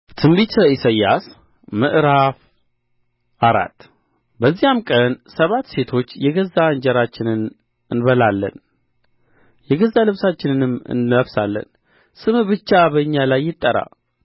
ትንቢተ ኢሳይያስ ምዕራፍ አራት በዚያም ቀን ሰባት ሴቶች የገዛ እንጀራችንን እንበላለን የገዛ ልብሳችንንም እንለብሳለን ስምህ ብቻ በእኛ ላይ ይጠራ